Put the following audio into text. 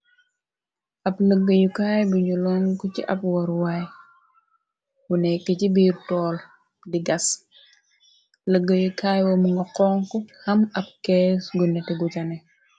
Ab lëgga yu kaay buñu lonk ci ab waruwaay wu neke ci biir tool di gas lëggayu kaaywo mu nga xonk ham ab kees gu neti gu jane.